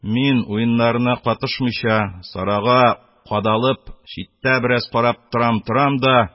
Мин, уеннарына катнашмыйча, Сарага кадалып, читтә бераз карап торам-торам да,